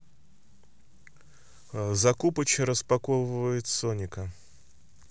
закупыч распаковывает соника